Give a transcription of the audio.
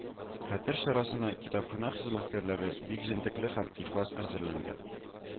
Хәтер чарасына китапханә хезмәткәрләре бик җентекле һәм ихлас әзерләнгән